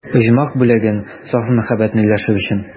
Оҗмах бүләген, саф мәхәббәтне өләшер өчен.